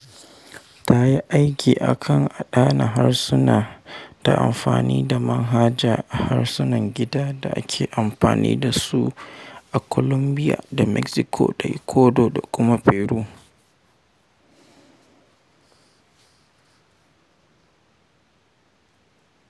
Ta yi aiki a kan adana harsuna da amfani da manhaja a harsunan gida da ake amfani da su a Colombia da Mexico da Ecuador da kuma Peru.